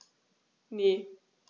Ne.